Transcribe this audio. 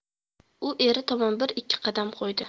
u eri tomon bir ikki qadam qo'ydi